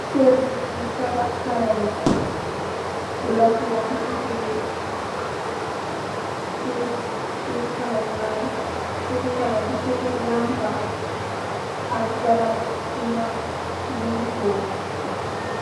Kerr bunuy tabah parehwut block yang se suff suff suff kuleng bang fa suff kuleng suff yangfa ak garab bu mag nug fof.